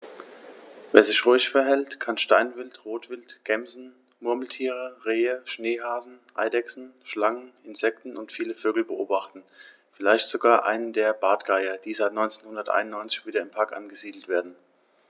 Wer sich ruhig verhält, kann Steinwild, Rotwild, Gämsen, Murmeltiere, Rehe, Schneehasen, Eidechsen, Schlangen, Insekten und viele Vögel beobachten, vielleicht sogar einen der Bartgeier, die seit 1991 wieder im Park angesiedelt werden.